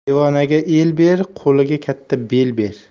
devonaga el ber qo'liga katta bel ber